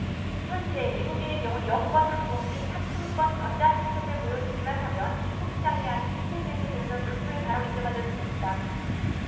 현재 외국인의 경우 여권 항공기 탑승권 전자티켓을 보여주기만 하면 출국장이 아닌 시내면세점에서 물품을 바로 인도받을 수 있다